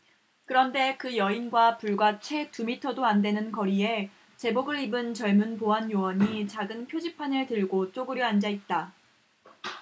그런데 그 여인과 불과 채 두 미터도 안 되는 거리에 제복을 입은 젊은 보안 요원이 작은 표지판을 들고 쪼그려 앉아 있다